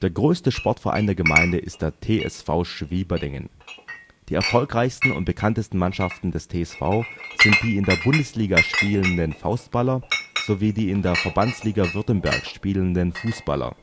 größte Sportverein der Gemeinde ist der TSV Schwieberdingen. Die erfolgreichsten und bekanntesten Mannschaften des TSV sind die in der Bundesliga spielenden Faustballer, sowie die in der Verbandsliga Württemberg spielenden Fußballer